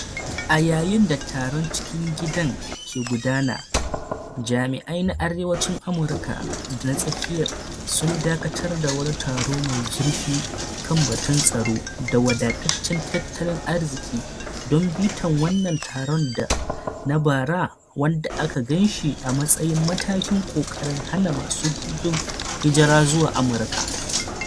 A yayin da taron cikin gidan ke guduna, Jami'ai na Arewacin Amurka da na tsakiya sun dakatar da wani taro mai zurfi kan batun tsaro da wadataccen tattalin arziki don bitan wannan taron na bara wanda aka ganshi a matsayin matakin kokarin hana masu gudun hijirar zuwa Amurka.